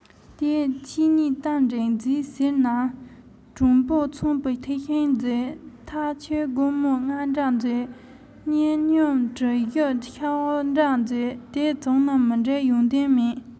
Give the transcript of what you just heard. ད ཁྱེད གཉིས གཏམ འགྲིག མཛད ཟེར ན དྲང པོ ཚངས པའི ཐིག ཤིང མཛོད ཐག ཆོད སྒོར མོ རྔ འདྲ མཛོད ཉེ སྙོམ གྲུ བཞི ཤོ འདྲ མཛོད དེ བྱུང ན མི འགྲིག ཡོང དོན མེད